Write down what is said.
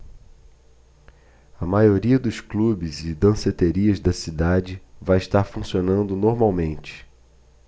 a maioria dos clubes e danceterias da cidade vai estar funcionando normalmente